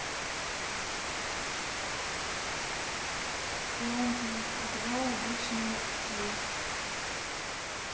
лампа два обычный цвет